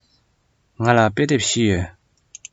ང ལ དཔེ དེབ བཞི ཡོད